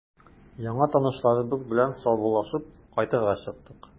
Яңа танышларыбыз белән саубуллашып, кайтырга чыктык.